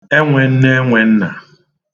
enwēnneenwēnnà